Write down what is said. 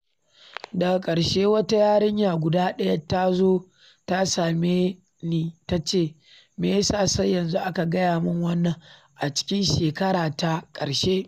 ‘Daga ƙarshe wata yarinya guda ɗaya ta zo ta same ni ta ce: ‘Me ya sa sai yanzu aka gaya mun wannan, a cikin shekarata ta karshe?’